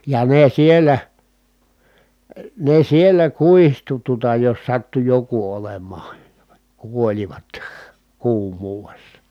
ja ne siellä ne siellä kuihtui tuota jos sattui joku olemaan kuolivat kuumuudessa